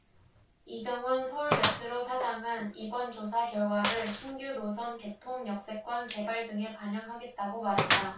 이정원 서울메트로 사장은 이번 조사 결과를 신규노선 개통 역세권 개발 등에 반영하겠다고 말했다